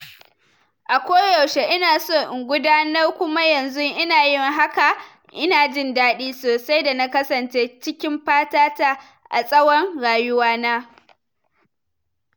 A koyaushe ina so in gudanar kuma yanzu ina yin hakan, ina jin dadi sosai da na kasance cikin fatata a tsawon rayuwana."